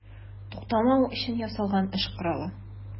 Тукмау өчен ясалган эш коралы.